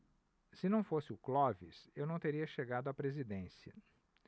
se não fosse o clóvis eu não teria chegado à presidência